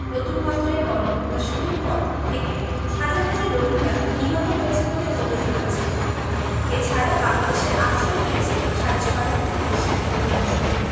নতুন মাত্রায় গণহত্যা শুরুর পর থেকে হাজার হাজার রোহিঙ্গা নিহত হয়েছে বলে অভিযোগ আছে এ ছাড়া বাংলাদেশে আশ্রয় নিয়েছে সাড়ে ছয় লাখেরও বেশি রোহিঙ্গা